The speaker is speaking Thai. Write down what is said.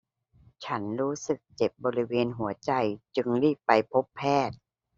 ฉันรู้สึกเจ็บบริเวณหัวใจจึงรีบไปพบแพทย์